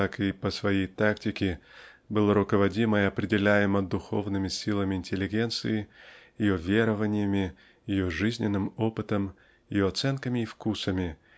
так и по своей тактике было руководимо и определяемо духовными силами интеллигенции -- ее верованиями ее жизненным опытом ее оценками и вкусами